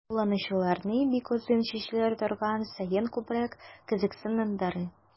Кулланучыларны бик озын чәчләр торган саен күбрәк кызыксындыра.